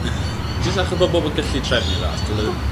Jyst acho' bobol yn gellu trefnu ras dyle n'w 'im